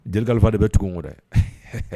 Jeli kalifafa de bɛ tugu kɔnɔ dɛ